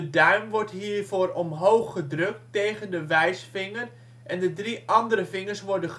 duim wordt hiervoor omhoog gedrukt tegen de wijsvinger en de drie andere vingers worden